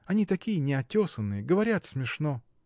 Они такие неотесанные, говорят смешно.